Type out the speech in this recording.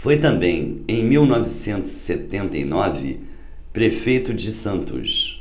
foi também em mil novecentos e setenta e nove prefeito de santos